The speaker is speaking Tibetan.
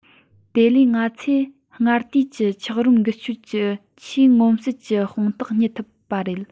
དེ ལས ང ཚོས སྔར དུས ཀྱི འཁྱགས རོམ འགུལ སྐྱོད ཀྱི ཆེས མངོན གསལ གྱི དཔང རྟགས རྙེད ཐུབ པ རེད